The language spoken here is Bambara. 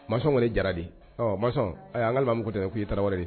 Masɔn kɔni ye Jara kɔni, ɔ Masɔn aya an k'alimami ko ten dɛ k'i ye Tarawele de ye